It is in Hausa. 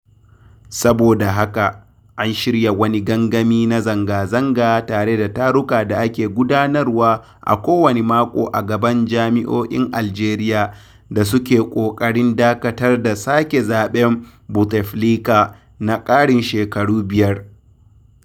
Saboda haka, an shirya wani gangami na zanga-zanga tare da taruka da ake gudanarwa a kowane mako a gaban jami’o’in Algeria da su ke ƙoƙarin dakatar da sake zaɓen Bouteflika na ƙarin shekaru biyar.